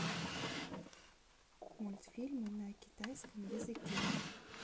мультфильмы на китайском языке